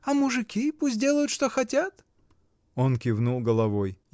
— А мужики: пусть делают, что хотят? Он кивнул головой.